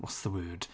What's the word?